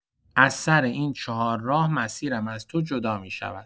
از سر این چهارراه، مسیرم از تو جدا می‌شود.